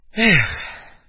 Их!